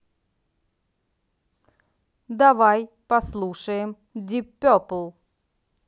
давай послушаем дип перпл